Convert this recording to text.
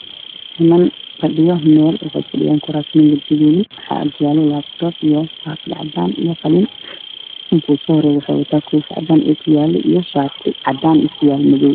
Waa meel xafiisyo faa fadhiya niman fara badan niman suud wataa iyo shaatiya cadaan kuraas miisas yihiin